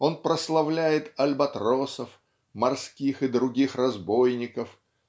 Он прославляет альбатросов, морских и других разбойников